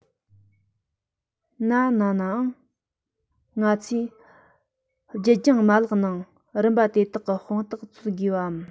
ན ནའང ང ཚོས རྒྱུད རྒྱང མ ལག ནང རིམ པ དེ དག གི དཔང རྟགས འཚོལ དགོས པའམ